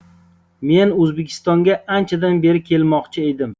men o'zbekistonga anchadan beri kelmoqchi edim